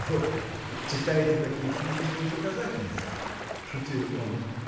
— Вот как: читаете такие книги, что и показать нельзя! — шутил он.